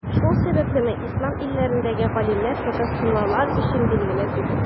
Шул сәбәплеме, Ислам илләрендәге галимнәр Татарстанлылар өчен билгеле түгел.